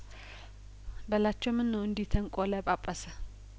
በላቸውም ነው እንዲህ ተንቆ ለጳጰሰ